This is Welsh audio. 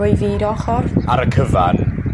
roi fi d- ochor. Ar y cyfan